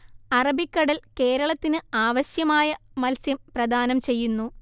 അറബിക്കടൽ കേരളത്തിന് ആവശ്യമായ മത്സ്യം പ്രദാനം ചെയ്യുന്നു